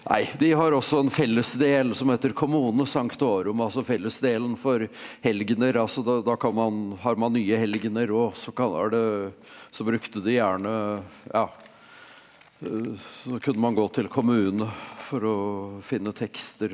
nei de har også en fellesdel som heter altså fellesdelen for helgener altså da da kan man har man nye helgener og så er det så brukte de gjerne ja så kunne man gå til kommunene for å finne tekster.